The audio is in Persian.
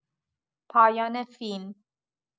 پایان فیلم